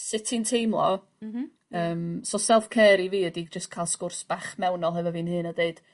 sut ti'n teimlo... Mhm. ...yym so self care i fi ydi jyst ca'l sgwrs bach mewnol hefo fi'n hun a deud